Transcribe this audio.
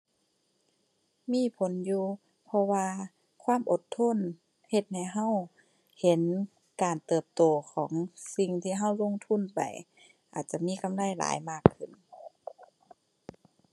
มีผลอยู่ เพราะว่าความอดทนเฮ็ดให้เราเห็นการเติบโตของสิ่งที่เราลงทุนไป อาจจะมีกำไรหลายมากขึ้น